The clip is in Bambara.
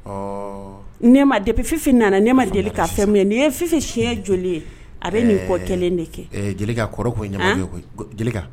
Ɔɔ ne ma depuis Fifi nana ne ma deli ka fɛn minɛ . Nin ye fifi siyɛn joli ye a bi nin ko kelen de kɛ . Ɛɛ Jelika kɔrɔ kun ye ɲamajɔ ye